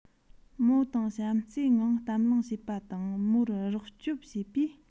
མོ དང བྱམས བརྩེའི ངང གཏམ གླེང བྱས པ དང མོར རོགས སྐྱོབ བྱས པས